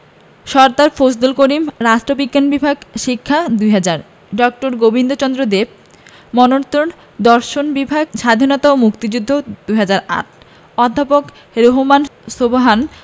সরদার ফজলুল করিম রাষ্ট্রবিজ্ঞান বিভাগ শিক্ষা ২০০০ ড. গোবিন্দচন্দ্র দেব মরনোত্তর দর্শন বিভাগ স্বাধীনতা ও মুক্তিযুদ্ধ ২০০৮ অধ্যাপক রেহমান সোবহান